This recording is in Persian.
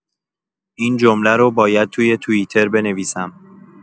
این جمله رو باید توی توییتر بنویسم.